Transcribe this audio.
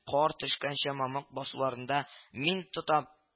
Кар төшкәнче мамык басуларында мин тотам